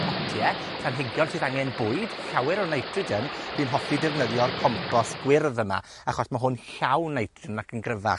potie, planhigion sydd angen bwyd, llawer o nitrogen, dwi'n hoffi defnyddio'r compos gwyrdd yma, achos ma' hwn llawn nitrogen ac yn gryfach.